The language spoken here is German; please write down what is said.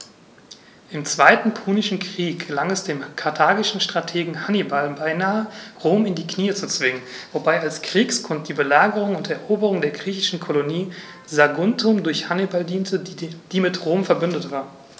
Im Zweiten Punischen Krieg gelang es dem karthagischen Strategen Hannibal beinahe, Rom in die Knie zu zwingen, wobei als Kriegsgrund die Belagerung und Eroberung der griechischen Kolonie Saguntum durch Hannibal diente, die mit Rom „verbündet“ war.